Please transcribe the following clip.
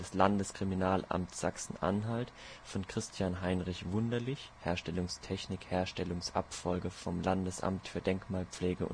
Landeskriminalamts Sachsen-Anhalt, von Christian-Heinrich Wunderlich (Herstellungstechnik, Herstellungsabfolge vom Landesamt für Denkmalpflege